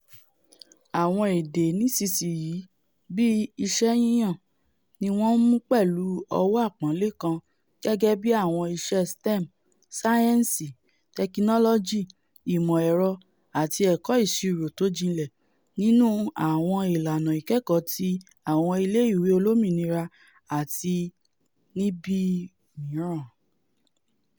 Àwọn èdè nísinsìnyí, bí i̇ṣẹ́ yíyàn, niwọ́n ńmú pẹ̀lú ọwọ́ àpọ́nlẹ́ kaǹ gẹ́gẹ́bí àwọn iṣẹ́ STEM (sáyẹ́ńsì, tẹkinọlọji, ìmọ̀-ẹ̀rọ àti ẹ̀kọ́ ìsiró tójinlẹ̀) nínú àwọn ìlànà ìkẹ́kọ̀ọ́ ti àwọn ilé ìwé olómìnira àti níbiimíràn.